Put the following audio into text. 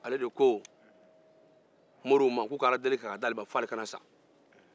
ale de ko moriw ka aladeli kɛ ka di a ma a kana sa